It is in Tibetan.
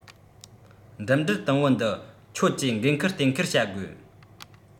འགྲིམ འགྲུལ དུམ བུ འདི ཁྱོད ཀྱི འགན ཁུར གཏན འཁེལ བྱ དགོས